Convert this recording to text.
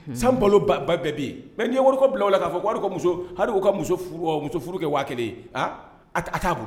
balo baa bɛɛ bɛ yen ni ye wariko bila o la, hali u ka muso furu kɛ 5000 ye aa a taa bolo